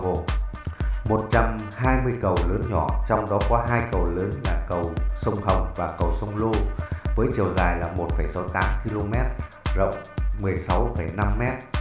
cầu lớn nhỏ trong đó có cầu lớn là cầu sông hồng và sông lô với chiều dài km rộng m